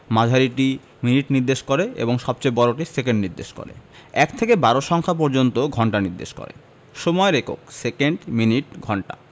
মাঝারিটি মিনিট নির্দেশ করে এবং সবচেয়ে বড়টি সেকেন্ড নির্দেশ করে ১ থেকে ১২ পর্যন্ত সংখ্যা ঘন্টা নির্দেশ করে সময়ের একক সেকেন্ড মিনিট ঘন্টা